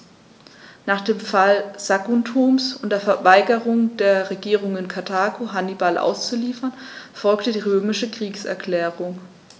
Nach dem Fall Saguntums und der Weigerung der Regierung in Karthago, Hannibal auszuliefern, folgte die römische Kriegserklärung.